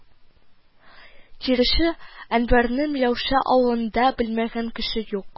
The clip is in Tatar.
Тирече Әнвәрне Миләүшә авылында белмәгән кеше юк